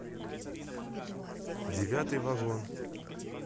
девятый вагон